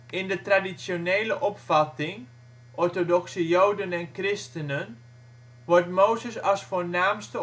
In de traditionele opvatting, orthodoxe Joden en christenen, wordt Mozes als voornaamste